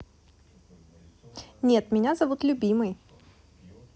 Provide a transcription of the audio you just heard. нет меня зовут любимый